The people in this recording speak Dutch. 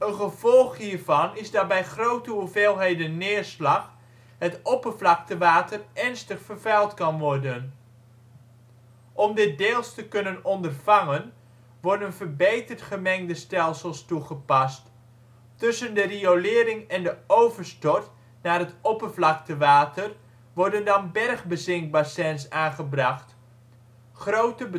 gevolg hiervan is dat bij grote hoeveelheden neerslag het oppervlaktewater ernstig vervuild kan worden. Om dit deels te kunnen ondervangen worden verbeterd gemengde stelsels toegepast. Tussen de riolering en de overstort naar het oppervlaktewater worden dan bergbezinkbassins aangebracht, grote